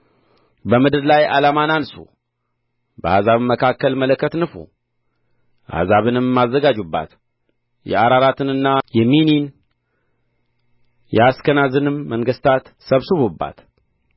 በምድር ላይ ዓላማን አንሡ በአሕዛብም መካከል መለከት ንፉ አሕዛብንም አዘጋጁባት የአራራትንና የሚኒን የአስከናዝንም መንግሥታት ሰብስቡባት